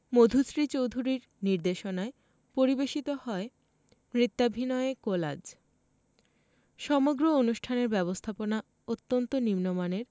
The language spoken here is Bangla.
মধুশ্রী চোধুরীর নির্দেশনায় পরিবেশিত হয় নৃত্যাভিনয়ে কোলাজ সমগ্র অনুষ্ঠানের ব্যবস্থাপনা অত্যন্ত নিম্নমানের